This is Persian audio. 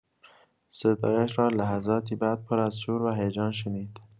صدایش را لحظاتی بعد، پراز شور و هیجان شنید.